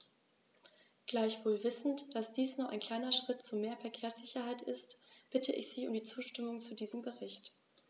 Gleichwohl wissend, dass dies nur ein kleiner Schritt zu mehr Verkehrssicherheit ist, bitte ich Sie um die Zustimmung zu diesem Bericht.